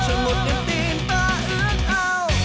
chờ một niềm tin ta ước ao